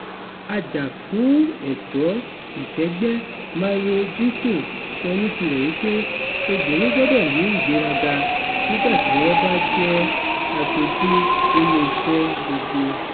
Àjàfúnẹ̀tọ́ ìkẹ́gbẹ́ Mauro Brito sọ ní tirẹ̀ wípé obìrin gbọ́dọ̀ ní ìgbéraga "nígbàtí wọ́n bá jẹ́ aṣojú nínú iṣẹ́ gbogbo":